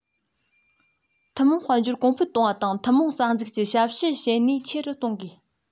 ཐུན མོང དཔལ འབྱོར གོང འཕེལ གཏོང བ དང ཐུན མོང རྩ འཛུགས ཀྱི ཞབས ཞུ བྱེད ནུས ཆེ རུ གཏོང དགོས